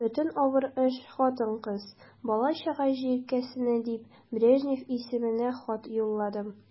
Бөтен авыр эш хатын-кыз, бала-чага җилкәсендә дип, Брежнев исеменә хат юлладым.